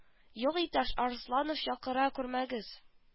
Юк иптәш арсланов чакыра күрмәгез